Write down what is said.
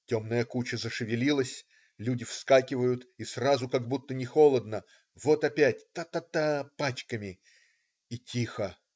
Темная куча зашевелилась, люди выскакивают и сразу как будто не холодно. Вот опять: та-та-та, пачками. И тихо.